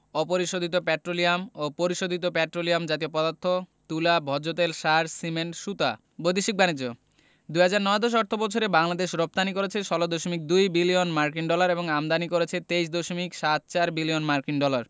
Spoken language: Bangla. অপরিশোধিত পেট্রোলিয়াম ও পরিশোধিত পেট্রোলিয়াম জাতীয় পদার্থ তুলা ভোজ্যতেল সার সিমেন্ট সুতা বৈদেশিক বাণিজ্যঃ ২০০৯ ১০ অর্থবছরে বাংলাদেশ রপ্তানি করেছে ১৬দশমিক ২ বিলিয়ন মার্কিন ডলার এবং আমদানি করেছে ২৩দশমিক সাত চার বিলিয়ন মার্কিন ডলার